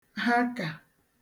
ha kà